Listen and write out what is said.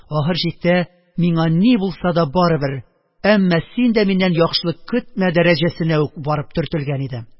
Ахыр чиктә «миңа ни булса да барыбер! әмма син дә миннән яхшылык көтмә!» дәрәҗәсенә үк барып төртелгән иде.